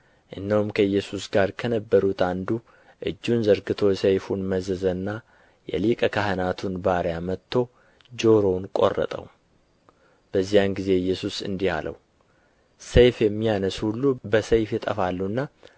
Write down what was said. እነሆም ከኢየሱስ ጋር ከነበሩት አንዱ እጁን ዘርግቶ ሰይፉን መዘዘና የሊቀ ካህናቱን ባሪያ መትቶ ጆሮውን ቈረጠው በዚያን ጊዜ ኢየሱስ እንዲህ አለው ሰይፍ የሚያነሡ ሁሉ በሰይፍ ይጠፋሉና